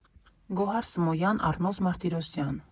Գոհար Սմոյան Առնոս Մարտիրոսյան։